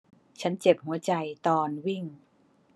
ฉันเจ็บหัวใจตอนวิ่ง